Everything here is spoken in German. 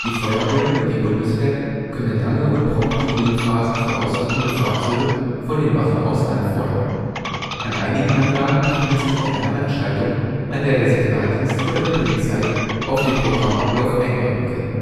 Feuerwehren und die Bundeswehr können lange und prompte Grünphasen für ausrückende Fahrzeuge von den Wachen aus anfordern. An einigen Anlagen befindet sich auch eine Handschaltung, an der der Signaldienst oder die Polizei auf den Programmablauf einwirken können